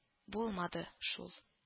Булмады шул